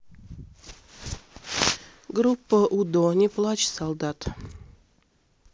группа удо не плачь солдат